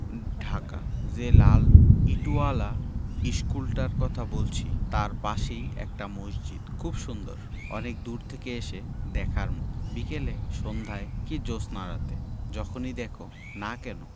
ঢাকা যে লাল ইটোয়ালা ইশকুলটার কথা বলছি তাই পাশেই একটা মসজিদ খুব সুন্দর অনেক দূর থেকে এসে দেখার মতো বিকেলে সন্ধায় কি জ্যোৎস্নারাতে যখনি দ্যাখো না কেন